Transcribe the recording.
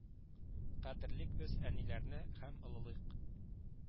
Кадерлик без әниләрне һәм олылыйк